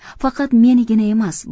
faqat menigina emas